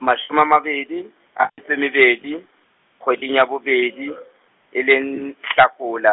mashome a mabedi, a -tso e mebedi, kgweding ya bobedi, e leng Hlakola,